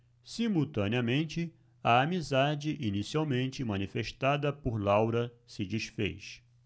simultaneamente a amizade inicialmente manifestada por laura se disfez